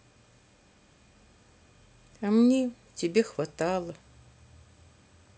а мне тебе хватало